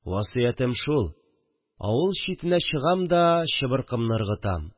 Васыятем шул: авыл читенә чыгам да чыбыркымны ыргытам